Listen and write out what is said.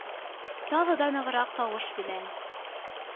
Тагы да ныграк тавыш белән: